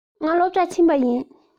ང སློབ གྲྭར ཕྱིན པ ཡིན